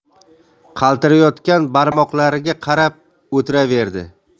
qaltirayotgan barmoqlariga qarab o'tiraverdi